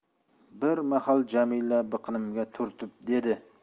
bir mahal jamila biqinimga turtib dedi